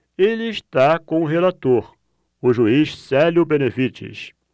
ele está com o relator o juiz célio benevides